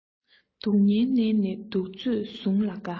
སྡུག སྙིང མནན ནས སྡུག ཚོད བཟུང བ དགའ